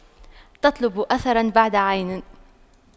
تطلب أثراً بعد عين